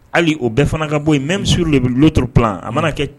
Hali o bɛɛ fana ka bɔ yen meme sur l'autre plan a mana kɛ